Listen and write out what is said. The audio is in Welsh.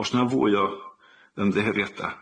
O's na fwy o ymddiheuriada?